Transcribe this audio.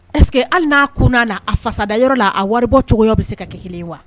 Ɛsseke hali n'a kun na a fasa da yɔrɔ la a wari bɔ cogoya bɛ se ka kelen kelen ye wa